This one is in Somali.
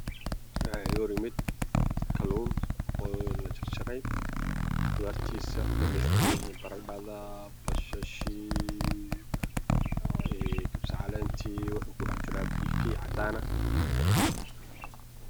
Meshan waxaa yaalo qudaar midab keedu yahay gaduud